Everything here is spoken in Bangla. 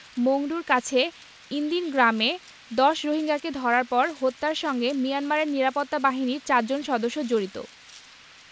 মংডুর কাছে ইনদিন গ্রামে ১০ রোহিঙ্গাকে ধরার পর হত্যার সঙ্গে মিয়ানমারের নিরাপত্তা বাহিনীর চারজন সদস্য জড়িত